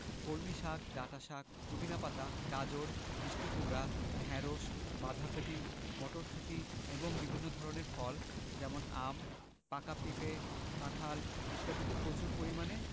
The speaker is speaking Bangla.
কলমিশাক ডাঁটাশাক পুদিনা পাতা গাজর মিষ্টি কুমড়া ঢেঁড়স বাঁধাকপি মটরশুঁটি এবং বিভিন্ন ধরনের ফল যেমন আম পাকা পেঁপে কাঁঠাল ইত্যাদিতে প্রচুর পরিমানে